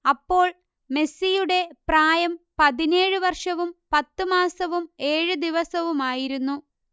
അപ്പോൾ മെസ്സിയുടെ പ്രായം പതിനേഴ് വർഷവും പത്ത് മാസവും ഏഴ് ദിവസവുമായിരുന്നു